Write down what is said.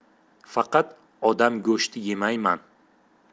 faqat odam go'shti yemayman